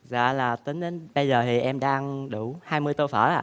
dạ là tính đến bây giờ thì em đã ăn đủ hai mươi tô phở ạ